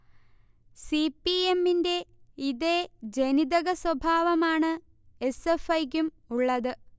C. P. എമ്മിന്റെ ഇതേ ജനിതക സ്വഭാവമാണ് എസ്. എഫ്. ഐക്കും ഉള്ളത്